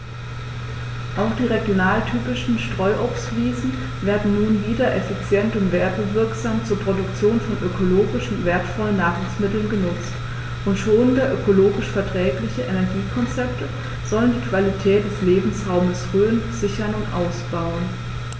Auch die regionaltypischen Streuobstwiesen werden nun wieder effizient und werbewirksam zur Produktion von ökologisch wertvollen Nahrungsmitteln genutzt, und schonende, ökologisch verträgliche Energiekonzepte sollen die Qualität des Lebensraumes Rhön sichern und ausbauen.